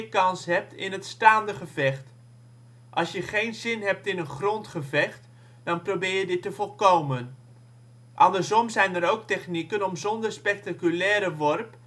het staande gevecht. Als je geen zin hebt in een grondgevecht, dan probeer je dit te voorkomen. Andersom zijn er ook technieken om zonder spectaculaire worp